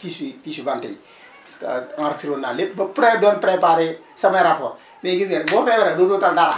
fiche yi fiche su vente yi parce que enregistré woon naa lépp ba pare doon préparé sama rapport mais gis ngeen boo feebaree dootoo tal dara